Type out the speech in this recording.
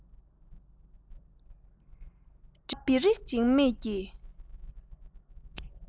འདྲེན པ བེ རི འཇིགས མེད ཀྱིས